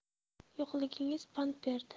yo'qligingiz pand berdi